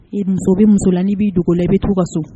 I muso bɛ musolain b'i dogo la i bɛ to ka so